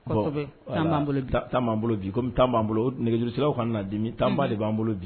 Kɔsɛbɛ temps ban bolo bi . komi temps ban bolo nɛgɛjurusiraw ka na na dimi. temps ba de ban bolo bi